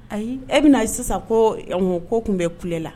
Ayi e bɛna na sisan ko ko tun bɛ kule la